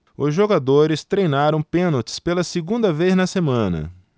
os jogadores treinaram pênaltis pela segunda vez na semana